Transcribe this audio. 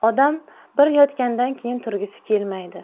odam bir yotgandan keyin turgisi kelmaydi